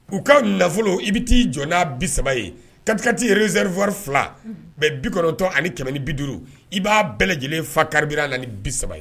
K'u ka nafolo i bɛ ti jɔ bi saba ye kati zef fila mɛ bitɔn ani kɛmɛ ni bi duuru i b'a bɛɛ lajɛlen fa karira ni bi saba ye